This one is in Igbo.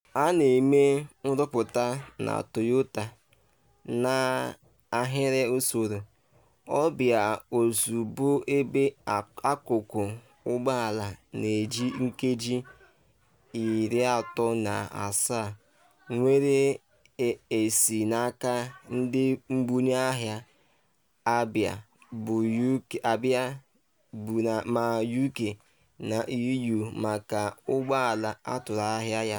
A na-eme nrụpụta na Toyota n’ahiri usoro “ọ bịa ozugbo”, ebe akụkụ ụgbọ ala na-eji nkeji 37 nwere esi n’aka ndị mbunye ahịa abịa, ma UK na EU maka ụgbọ ala atụrụ ahịa ya.